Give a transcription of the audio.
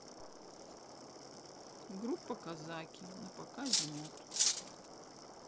группа казаки на показе мод